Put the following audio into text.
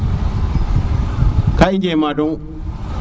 ka i njema ndong